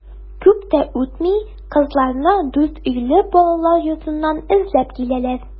Күп тә үтми кызларны Дүртөйле балалар йортыннан эзләп киләләр.